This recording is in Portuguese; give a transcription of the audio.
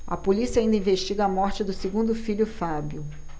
a polícia ainda investiga a morte do segundo filho fábio